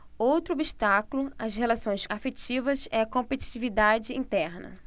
outro obstáculo às relações afetivas é a competitividade interna